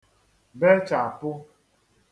bechàpu